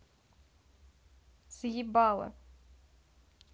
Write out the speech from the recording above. заебала